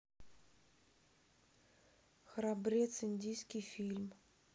храбрец индийский фильм